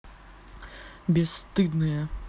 бесстыдные